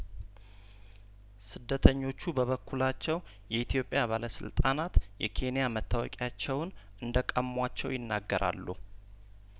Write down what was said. ስደተኞቹ በበኩላቸው የኢትዮጵያ ባለስልጣናት የኬንያ መታወቂያቸውን እንደቀሟቸው ይናገራሉ